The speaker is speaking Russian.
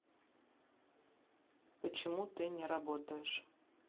почему ты не работаешь